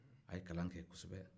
a ye kalan kɛ kɔsɛbɛ